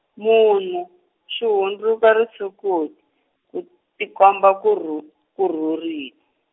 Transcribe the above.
munhu, xi hundzuka risokoti, ku tikomba ku rhu- ku rhurile.